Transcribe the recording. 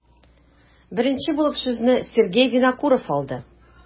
Беренче булып сүзне Сергей Винокуров алды.